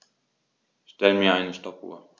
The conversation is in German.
Stell mir eine Stoppuhr.